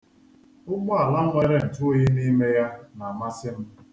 Ụgbọala nwere ntụoyi n'ime ya na-amasị m.